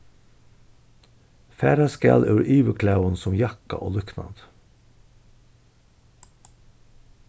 farast skal úr yvirklæðum sum jakka og líknandi